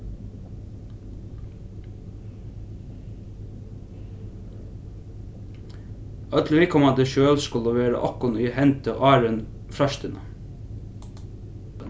øll viðkomandi skjøl skulu vera okkum í hendi áðrenn freistina